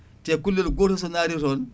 te kullel gotel so naati toon